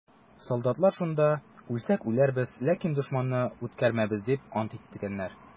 Солдатлар шунда: «Үлсәк үләрбез, ләкин дошманны үткәрмәбез!» - дип ант иткәннәр.